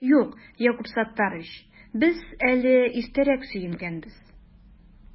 Юк, Якуб Саттарич, без әле иртәрәк сөенгәнбез